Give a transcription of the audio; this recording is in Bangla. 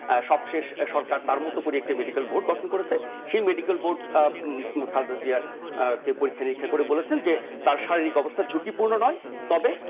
সিনিয়র সাংবাদিক লেখক গবেষক জনাব মাহফুজুল্লাহ আপনাদের দুজনকে স্বাগত জানাচ্ছি মাহফুজ ভাই আপনাকে দিয়ে শুরু করি এই যে চিকিৎসা নিয়ে অনেকদিন ধরেই কথাবার্তা যদি বলি রাজনীতি পাল্টাপাল্টি এগুলো চলছে